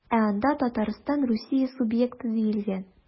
Ә анда Татарстан Русия субъекты диелгән.